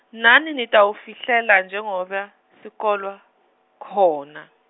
nani nitawafihlela njengoba sikolwa, khona.